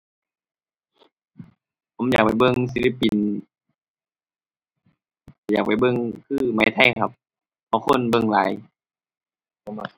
ผมอยากไปเบิ่งศิลปิน อยากไปเบิ่งคือ ไหมไทยครับ เพราะคนเบิ่งหลาย